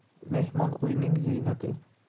mehmon uyning ziynati